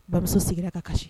Bamuso sigira ka kasi